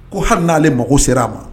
Ko hali n'ale mago sera a ma.